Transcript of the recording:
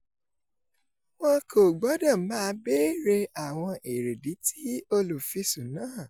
Wọn kò gbọdọ̀ máa béère àwọn èrèdí ti olùfisùn náà.